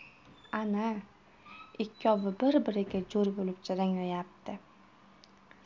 ana ikkovi bir biriga jo'r bo'lib jaranglayapti